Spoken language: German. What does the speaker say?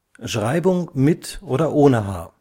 Schreibung mit oder ohne h